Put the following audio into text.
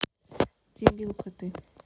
дебилка ты